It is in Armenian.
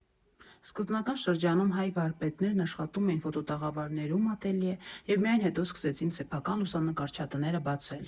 Սկզբնական շրջանում հայ վարպետներն աշխատում էին ֆոտոտաղավարներում (ատելյե) և միայն հետո սկսեցին սեփական լուսանկարչատները բացել։